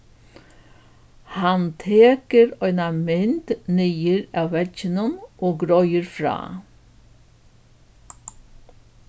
hann tekur eina mynd niður av vegginum og greiðir frá